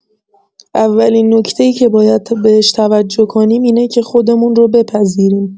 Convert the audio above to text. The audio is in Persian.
اولین نکته‌ای که باید بهش توجه کنیم اینه که خودمون رو بپذیریم.